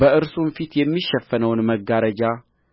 በእርሱም ፊት የሚሸፍነውን መጋረጃ